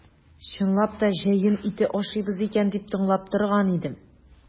Чынлап та җәен ите ашыйбыз икән дип тыңлап торган идем.